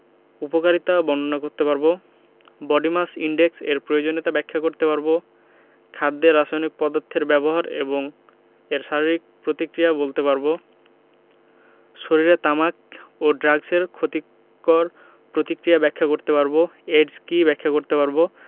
উপকারিতা বর্ণনা করতে পারব বডি মাস ইনডেক্স এর প্রয়োজনীয়তা ব্যাখ্যা করতে পারব খাদ্যে রাসায়নিক পদার্থের ব্যবহার এবং এর শারীরিক প্রতিক্রিয়া বলতে পারব শরীরে তামাক ও ড্রাগসের ক্ষতিকর প্রতিক্রিয়া ব্যাখ্যা করতে পারব এইডস কী ব্যাখ্যা করতে পারব